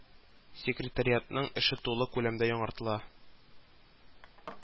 Секретариатның эше тулы күләмдә яңартыла